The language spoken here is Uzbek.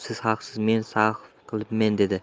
siz haqsiz men sahv qilibmen dedi